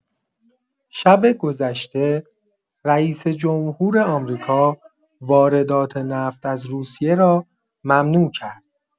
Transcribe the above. شب گذشته، رئیس‌جمهور آمریکا واردات نفت از روسیه را ممنوع کرد.